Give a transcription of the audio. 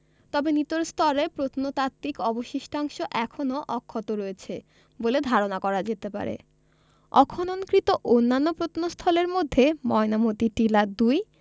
তবে নিুতর স্তরে প্রত্নতাত্ত্বিক অবশিষ্টাংশ এখনও অক্ষত রয়েছে বলে ধারণা করা যেতে পারে অখননকৃত অন্যান্য প্রত্নস্থলের মধ্যে ময়নামতি টিলা ২